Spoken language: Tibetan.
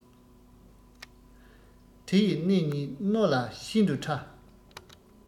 དེ ཡི སྣེ གཉིས རྣོ ལ ཤིན ཏུ ཕྲ